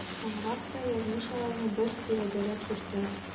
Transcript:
Соңрак та язмыш аларны бер тирәдәрәк йөртә.